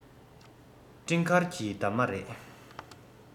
སྤྲིན དཀར གྱི འདབ མ རེད